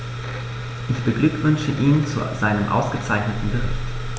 Ich beglückwünsche ihn zu seinem ausgezeichneten Bericht.